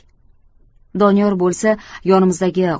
doniyor bo'lsa yonimizdagi